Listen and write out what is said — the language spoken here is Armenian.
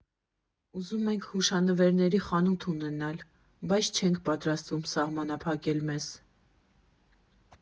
Ուզում ենք հուշանվերների խանութ ունենալ, բայց չենք պատրաստվում սահմանափակել մեզ։